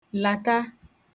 làta